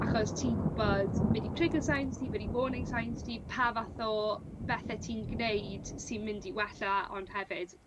Achos ti'n gwbod be' 'di trigger signs ti be' 'di warning signs ti pa fath o bethe ti'n gneud sy'n mynd i wella ond hefyd